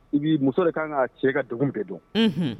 I bɛ muso de kan ka cɛ ka dugu bɛɛ don